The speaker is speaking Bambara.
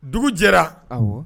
Dugu jɛra